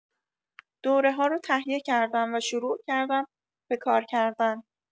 دوره‌ها رو تهیه کردم و شروع کردم به کار کردن.